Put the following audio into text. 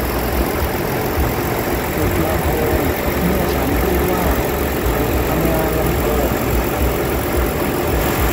ปิดลำโพงเมื่อฉันพูดว่าหยุดทำงานลำโพง